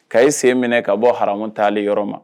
Ka i sen minɛ ka bɔ haramu tali yɔrɔ ma.